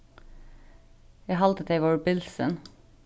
eg haldi tey vóru bilsin